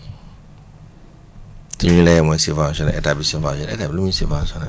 te ñu ne mooy subventionné état bi subventionné état bi lu muy subventionné